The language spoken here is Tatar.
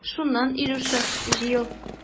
Шуннан, Илюша, җыел.